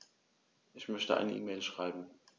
Ich möchte eine E-Mail schreiben.